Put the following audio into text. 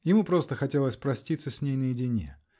Ему просто хотелось проститься с ней наедине.